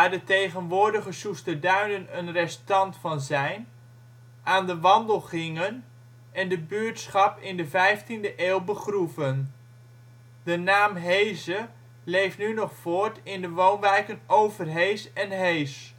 de tegenwoordige Soester Duinen een restant van zijn, aan de wandel gingen en de buurtschap in de 15e eeuw begroeven. De naam Heze leeft nu nog voort in de wijken Overhees en Hees